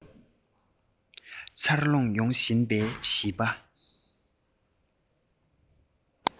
འཚར ལོངས ཡོང བཞིན པའི བྱིས པ